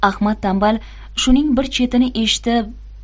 ahmad tanbal shuning bir chetini eshitib